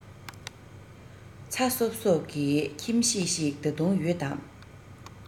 ཚ སོབ སོབ ཀྱི ཁྱིམ གཞིས ཤིག ད དུང ཡོད དམ